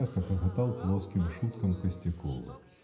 часто хохотал плоским шуткам Костякова.